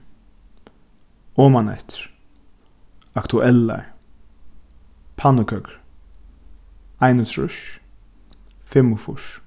omaneftir aktuellar pannukøkur einogtrýss fimmogfýrs